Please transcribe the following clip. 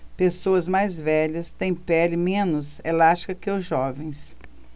pessoas mais velhas têm pele menos elástica que os jovens